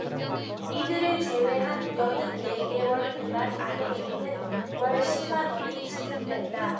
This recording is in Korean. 이들을 제외한 여든 네 개월 미만 아동에게는 월 십 만원이 지급된다